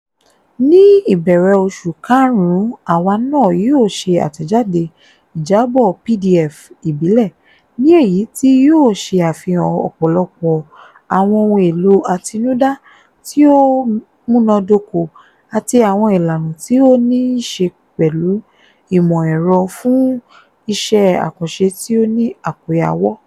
Ní ìbẹ̀rẹ̀ oṣù Karùn-ún àwa náà yóò ṣe àtẹ̀jáde ìjábọ̀ PDF ìbílẹ̀ ní èyí tí yóò ṣe àfihàn ọ̀pọ̀lọpọ̀ àwọn ohun èlò àtinúdá tí ó múnádóko àti àwọn ìlànà tí ó níí ṣe pẹ̀lú ìmọ̀ ẹ̀rọ fún iṣẹ́ àkànṣe tí ó ní àkóyawọ́.